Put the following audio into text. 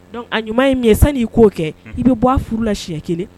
A ɲuman ye mi ye san n y'i k'o kɛ i bɛ bɔ a furu la siɲɛ kelen